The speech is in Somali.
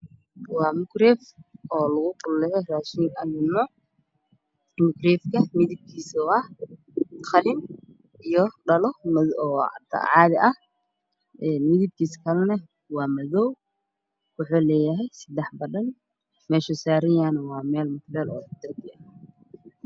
Halkan waxaa yaalo mukeefi oo lagu kuleeyo raashinka midabkiisu waa qalliin iyo coveer waxaa dul taagan nin sameynaya mooshinka